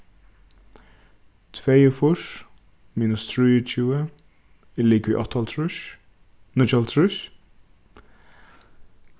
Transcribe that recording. tveyogfýrs minus trýogtjúgu er ligvið áttaoghálvtrýss níggjuoghálvtrýss